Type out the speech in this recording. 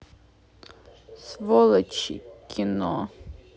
сволочи кино